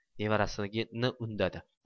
nevarasini undadi